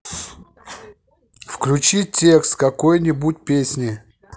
включи текст какой нибудь песни